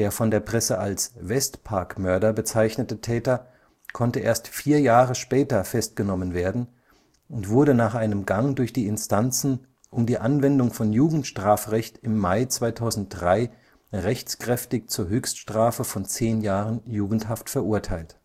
von der Presse als „ Westparkmörder “bezeichnete Täter konnte erst vier Jahre später festgenommen werden und wurde nach einem Gang durch die Instanzen um die Anwendung von Jugendstrafrecht im Mai 2003 rechtskräftig zur Höchststrafe von zehn Jahren Jugendhaft verurteilt